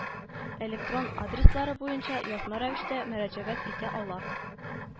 Электрон адреслары буенча язма рәвештә мөрәҗәгать итә ала